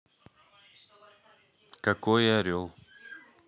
какой орел